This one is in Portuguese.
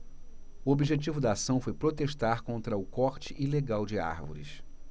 o objetivo da ação foi protestar contra o corte ilegal de árvores